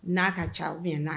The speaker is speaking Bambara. N'a ka ca ou bien n'a